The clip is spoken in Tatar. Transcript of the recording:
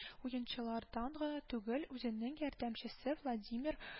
Уенчылардан гына түгел, үзенең ярдәмчесе владимир